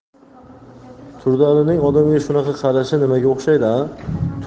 turdialining odamga shunaqa qarashi nimaga